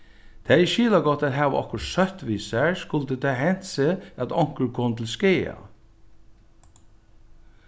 tað er skilagott at hava okkurt søtt við sær skuldi tað hent seg at onkur kom til skaða